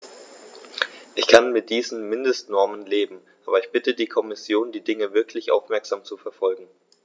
Ich kann mit diesen Mindestnormen leben, aber ich bitte die Kommission, die Dinge wirklich aufmerksam zu verfolgen.